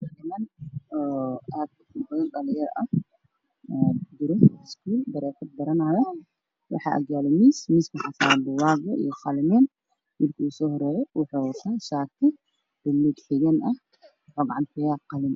Waa arday wax baranayaan waxa ay ku fadhiyaan kuraas jaalle ah calimaan ayey haystaan warqad ay wax ku qorayaan